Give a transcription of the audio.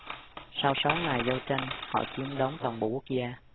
sau sáu ngày giao tranh họ chiếm đóng toàn bộ quốc gia